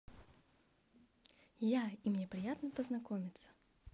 я и мне приятно познакомиться